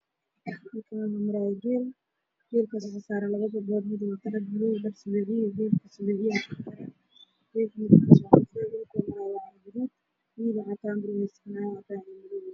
Waa geel ay saaranyihiin lavo gabdhood